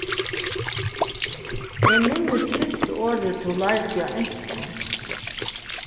eg minnist fyrsta orðið tú lærdi á enskum